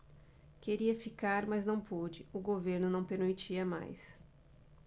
queria ficar mas não pude o governo não permitia mais